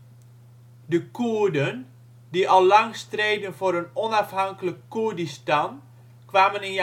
Koerden, die al lang streden voor een onafhankelijk Koerdistan, kwamen